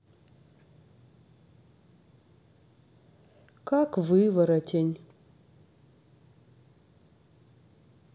как выворотень